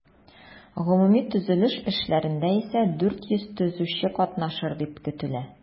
Гомуми төзелеш эшләрендә исә 400 төзүче катнашыр дип көтелә.